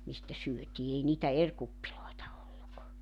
mistä syötiin ei niitä eri kuppeja ollut